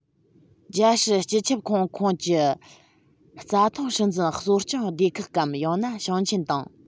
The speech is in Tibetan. རྒྱལ སྲིད སྤྱི ཁྱབ ཁང ཁོངས ཀྱི རྩྭ ཐང སྲིད འཛིན གཙོ སྐྱོང སྡེ ཁག གམ ཡང ན ཞིང ཆེན དང